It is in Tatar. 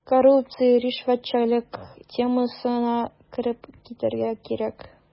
Коррупция, ришвәтчелек темасына кереп китәргә кирәк.